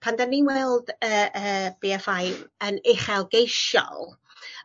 pan 'dan ni'n weld y y Bee Eff I yn uchelgeisiol